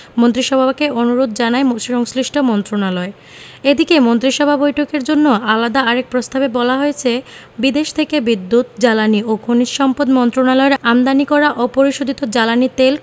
মন্ত্রিসভাকে অনুরোধ জানায় সংশ্লিষ্ট মন্ত্রণালয় এদিকে মন্ত্রিসভা বৈঠকের জন্য আলাদা আরেক প্রস্তাবে বলা হয়েছে বিদেশ থেকে বিদ্যুৎ জ্বালানি ও খনিজ সম্পদ মন্ত্রণালয়ের আমদানি করা অপরিশোধিত জ্বালানি তেল